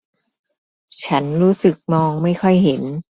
ฉันรู้สึกมองไม่ค่อยเห็น